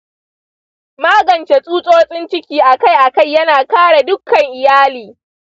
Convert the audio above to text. magance tsutsotsin ciki akai-akai yana kare dukkan iyali.